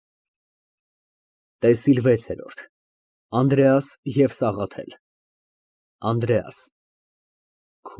ՏԵՍԻԼ ՎԵՑԵՐՈՐԴ ԱՆԴՐԵԱՍ ԵՎ ՍԱՂԱԹԵԼ ԱՆԴՐԵԱՍ ֊ (Լռություն)։